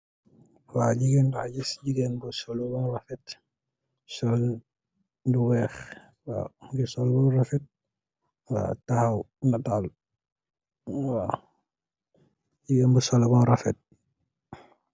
Waaw jigéen laa gis, jigéen bu sollu ba rafet. Sol lu weex, waaw, mu ngi sol lu rafet, waaw taxaw, nataalu. Jigeen bu sollu bam rafet.